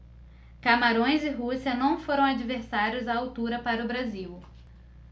camarões e rússia não foram adversários à altura para o brasil